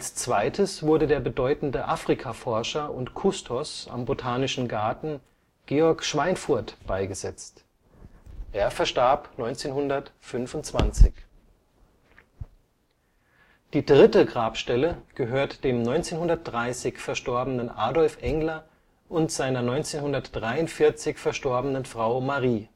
zweites wurde der bedeutende Afrikaforscher und Kustos am Botanischen Garten Georg Schweinfurth beigesetzt. Er verstarb 1925. Die dritte Grabstelle gehört dem 1930 verstorbenen Adolf Engler und seiner 1943 verstorbenen Frau Marie